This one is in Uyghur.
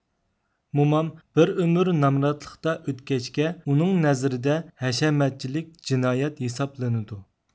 مومام بىر ئۆمۈر نامراتلىقتا ئۆتكەچكە ئۇنىڭ نەزىرىدە ھەشەمەتچىلىك جىنايەت ھېسابلىنىدۇ